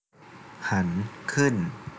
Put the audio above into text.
หันขึ้น